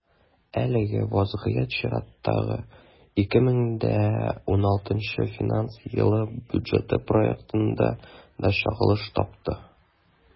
Әлеге вазгыять чираттагы, 2016 финанс елы бюджеты проектында да чагылыш тапты.